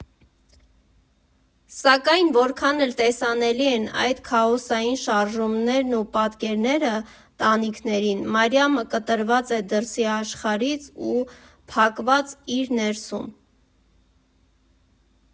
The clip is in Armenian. Սակայն որքան էլ տեսանելի են այդ քաոսային շարժումներն ու պատկերները, տանիքներին Մարիամը կտրված է դրսի աշխարհից և փակված իր ներսում։